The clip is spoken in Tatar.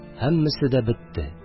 Һәммәсе бетте